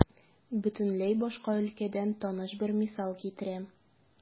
Бөтенләй башка өлкәдән таныш бер мисал китерәм.